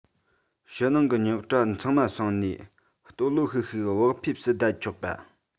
ཕྱི ནང གི རྙོག གྲ ཚང མ སངས ནས སྟོད ལྷོད ཤིག ཤིག བག ཕེབས སུ བསྡད ཆོག པ